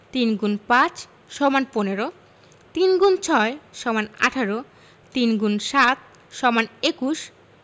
৩ X ৫ = ১৫ ৩ x ৬ = ১৮ ৩ × ৭ = ২১